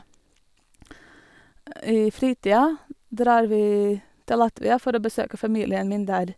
I fritida drar vi til Latvia for å besøke familien min der.